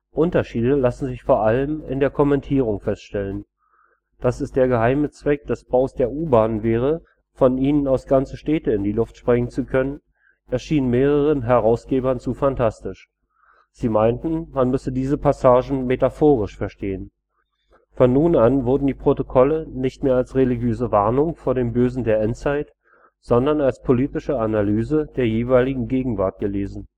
Unterschiede lassen sich vor allem in der Kommentierung feststellen: Dass es der geheime Zweck des Baus der U-Bahnen wäre, von ihnen aus ganze Städte in die Luft sprengen zu können, erschien mehreren Herausgebern zu phantastisch; sie meinten, man müsse diese Passage metaphorisch verstehen. Von nun an wurden die Protokolle nicht mehr als religiöse Warnung vor dem Bösen der Endzeit, sondern als politische Analyse der jeweiligen Gegenwart gelesen